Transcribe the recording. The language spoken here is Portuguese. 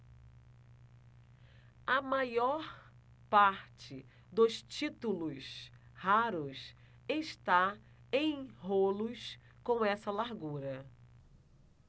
a maior parte dos títulos raros está em rolos com essa largura